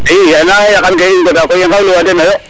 i ale yakan ke i ngoda koy i ngawlu wa deno yo